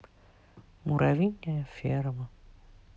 муравьиная ферма